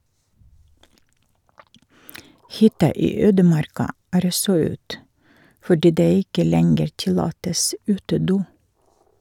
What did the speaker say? Hytta i ødemarka er også ut, fordi det ikke lenger tillates utedo.